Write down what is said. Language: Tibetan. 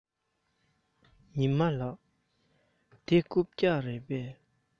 ཉི མ ལགས འདི རྐུབ བཀྱག རེད པས